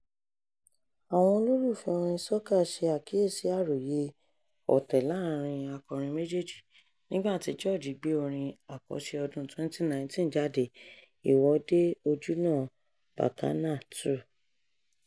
Àwọn olólùfẹ́ẹ orin Soca ṣe àkíyèsí àròyé ọ̀tẹ̀ láàárín-in akọrin méjèèjì nígbà tí George gbé orin àkọ́ṣe ọdún 2019 jáde, "Ìwọ́de Ojúná Bacchanal 2".